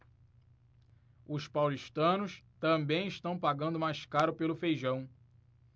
os paulistanos também estão pagando mais caro pelo feijão